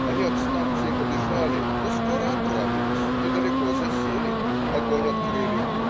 Они от станции побежали, но скоро оправились, недалеко засели, огонь открыли.